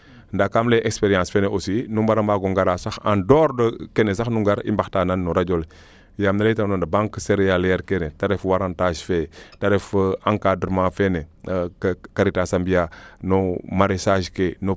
ndaa kam leyee experience feene aussi nu mbara mbaago ngara sax en dors de kene sax nu ngar i mbaxtaan no radio le yaam ne leyta noona Banque cereale keene te ref Warantas fee te ref encadrement feene Karatas a mbiya no maraichage ke